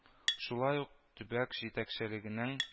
Шулай ук төбәк җитәкчелегенең